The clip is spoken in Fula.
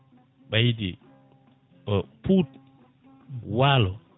ɓaydi o Pout waalo